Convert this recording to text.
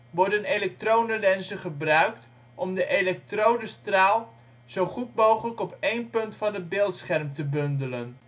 worden elektronenlenzen gebruikt om de elektronenstraal zo goed mogelijk op één punt van het beeldscherm te bundelen